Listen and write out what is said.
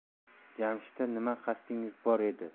jamshidda nima qasdingiz bor edi